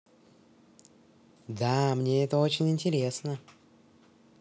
да мне это очень интересно